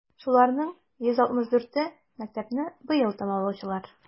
Шуларның 164е - мәктәпне быел тәмамлаучылар.